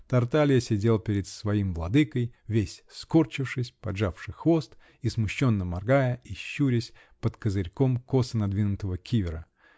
Тарталья сидел перед своим владыкой, весь скорчившись, поджавши хвост и смущенно моргая и щурясь под козырьком косо надвинутого кивера